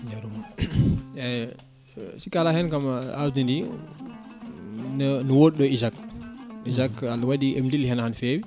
jaaru mum eyyi sikki ala hen kam awdi ndi ne ne woɗɗoy IJAK IJAK ko an waɗi eɓe dilli hen ha no fewi